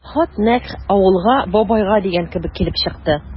Хат нәкъ «Авылга, бабайга» дигән кебек килеп чыкты.